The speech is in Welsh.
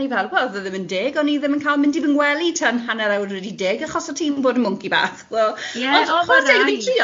O'n i fel, wel, oedd o ddim yn deg, o'n i ddim yn cael mynd i fy ngwely tan hanner awr wedi deg, achos o' ti'n bod yn mwnci bach, ond chwara teg...